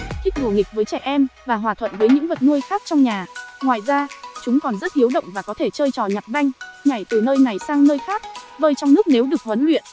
thích đùa nghịch với trẻ em và hòa thuận với những vật nuôi khác trong nhà ngoài ra chúng còn rất hiếu động và có thể chơi trò nhặt banh nhảy từ nơi này sang nơi khác bơi trong nước nếu được huấn luyện